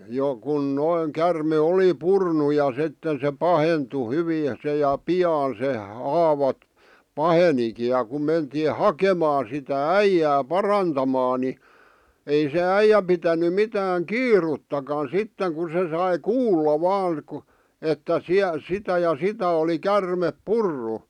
jo kun noin käärme oli purrut ja sitten se pahentui hyvin se ja pian se haava pahenikin ja kun mentiin hakemaan sitä äijää parantamaan niin ei se äijä pitänyt mitään kiirettäkään sitten kun se sai kuulla vain kun että - sitä ja sitä oli käärme purrut